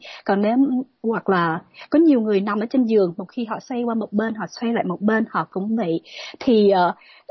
còn ném hoặc là có nhiều người nằm trên giường một khi họ xoay qua một bên hoặc xoay lại một bên họ cũng bị thì